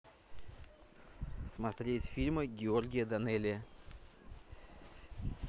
смотреть фильмы георгия данелия